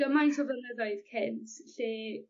gymaint o flynyddoedd cynt lle